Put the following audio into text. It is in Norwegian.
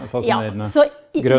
ja så.